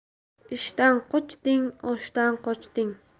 ishdan qochding oshdan qochding